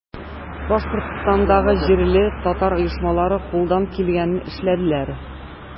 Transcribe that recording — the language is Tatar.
Башкортстандагы җирле татар оешмалары кулдан килгәнне эшләделәр.